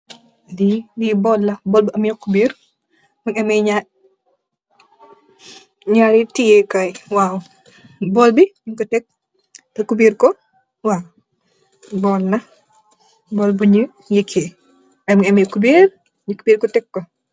Lee bowl la bowl bu ame kuberr muge ame nyari teye kaye waw bowl be nung ko tek teh kuberr ku waw bowl la bowl bonu yakee muge ame kuberr nu kuberr ku teek ku.